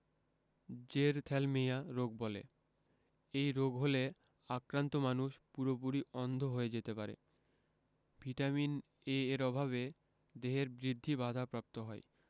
xerophthalmia রোগ বলে এই রোগ হলে আক্রান্ত মানুষ পুরোপুরি অন্ধ হয়ে যেতে পারে ভিটামিন A এর অভাবে দেহের বৃদ্ধি বাধাপ্রাপ্ত হয়